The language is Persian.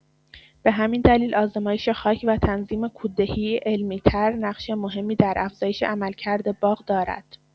به همین دلیل آزمایش خاک و تنظیم کوددهی علمی‌تر، نقش مهمی در افزایش عملکرد باغ دارد.